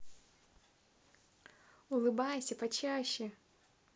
улыбайся почаще